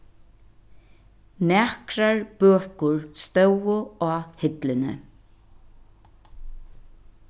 nakrar bøkur stóðu á hillini